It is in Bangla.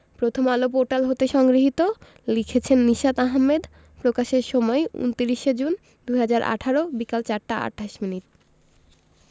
প্রথমআলো পোর্টাল হতে সংগৃহীত লিখেছেন নিশাত আহমেদ প্রকাশের সময় ২৯ জুন ২০১৮ বিকেল ৪টা ২৮ মিনিট